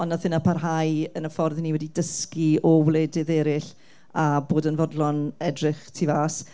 ond wnaeth hynna parhau yn y ffordd 'y ni wedi dysgu o wledydd eraill a bod yn fodlon edrych tu fas.